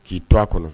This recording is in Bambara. K'i to a kɔnɔ